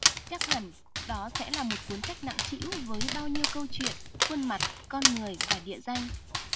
chắc hẳn đó sẽ là một cuốn sách nặng trĩu với bao nhiêu câu chuyện khuôn mặt con người và địa danh